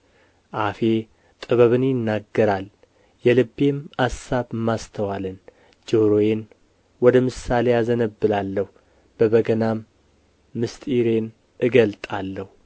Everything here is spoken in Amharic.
አፌ ጥበብን ይናገራል የልቤም አሳብ ማስተዋልን ጆሮዬን ወደ ምሳሌ አዘነብላለሁ በበገናም ምሥጢሬን እገልጣለሁ